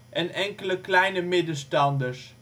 en enkele kleine middenstanders